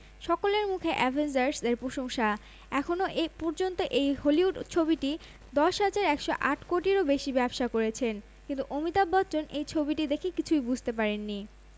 ১৯৪৬ থেকে ১৯৫০ সাল পর্যন্ত মান্টোর জীবনের সংকটময় সময়কে এ ছবিতে তুলে ধরা হয়েছে শুধু মান্টো নন ছবিতে প্রাণ পেয়েছে মান্টোর কিছু ছোটগল্পও মান্টো হিসেবে অভিনেতা নওয়াজুদ্দিন সিদ্দিকী পরিচালকের প্রতিটি ইঙ্গিত